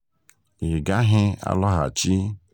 Ị gaghị alọghachi!'